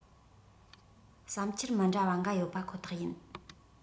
བསམ འཆར མི འདྲ བ འགའ ཡོད པ ཁོ ཐག ཡིན